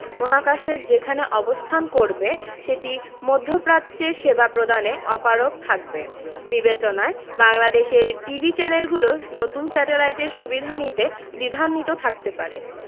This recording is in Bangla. মহাকাশের যেখানে অবস্থান করবে সেটি মধ্যপ্রাচ্যে সেবা প্রদানে অপারগ থাকবে বিবেচনায় বাংলাদেশের টিভি চ্যানেলগুলো নতুন স্যাটেলাইটের সুবিধা নিতে দ্বিধান্বিত থাকতে পারে